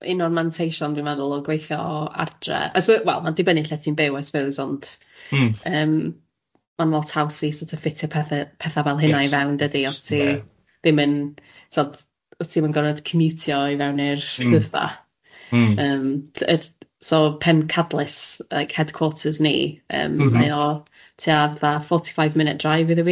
un o'r manteision dwi'n meddwl o gweithio o ardre, I suppose, wel ma'n dibynnu lle ti'n byw I suppose ond... Mm. ...yym ma'n lot haws i sort of ffitio pethe petha... Yes. ...fel hynna i fewn dydi os ti ddim yn tibod os ti'm yn gorfod cymiwtio i fewn i'r swyddfa...mm mm. ...yym so pencadlys like headquarters ni... M-hm. ...yym mae o tua fatha forty five minute drive iddo fi.